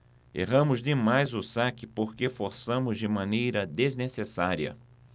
erramos demais o saque porque forçamos de maneira desnecessária